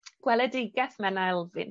gweledigeth Menna Elfyn.